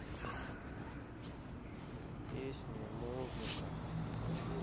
песни музыка